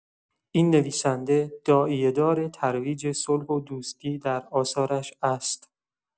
این نویسنده داعیه‌دار ترویج صلح و دوستی در آثارش است.